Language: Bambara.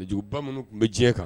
Jugu bamananw tun bɛ diɲɛ kan